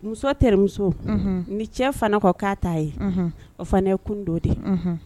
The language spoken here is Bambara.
Muso terimuso ni cɛ fana kɔ k'a ta ye o fana ye kundo dɛ